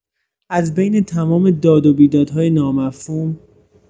از بین تمام داد و بیدادهای نامفهوم